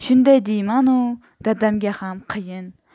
shundoq deymanu dadamga ham qiyin